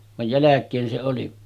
vaan jälkeen se oli